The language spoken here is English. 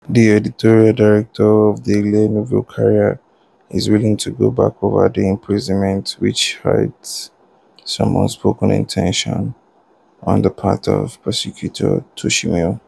The editorial director of the “Le Nouveau Courrier” is willing to go back over this imprisonment which hides some unspoken intentions on the part of Prosecutor Tchimou.